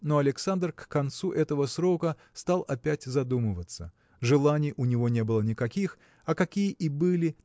но Александр к концу этого срока стал опять задумываться. Желаний у него не было никаких а какие и были